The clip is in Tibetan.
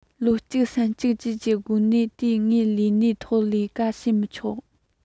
བློ གཅིག སེམས གཅིག བཅས ཀྱི སྒོ ནས འདི ངས ལས གནས ཐོག ལས ཀ བྱས མི ཆོག